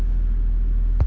какие то сюрреалистичные мемы